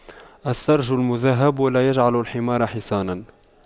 السَّرْج المُذهَّب لا يجعلُ الحمار حصاناً